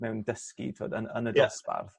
mewn dysgu t'wod yn yn y... Ia. ...dosbarth.